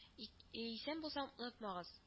Ик йисән булсам онытмагыз